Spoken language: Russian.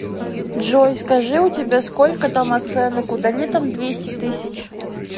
джой скажи у тебя сколько там оценок удали там двести тысяч